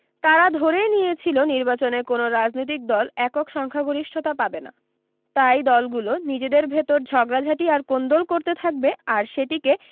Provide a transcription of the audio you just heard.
তারা ধরেই নিয়েছিল নির্বাচনে কোনো রাজনৈতিক দল একক সংখ্যাগরিষ্ঠতা পাবে না তাই দলগুলো নিজেদের ভেতর ঝগড়াঝাটি আর কোন্দল করতে থাকবে আর সেটিকে